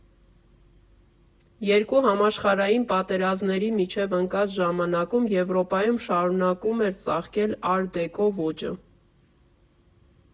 Երկու համաշխարհային պատերազմների միջև ընկած ժամանակում Եվրոպայում շարունակում էր ծաղկել ար֊դեկո ոճը։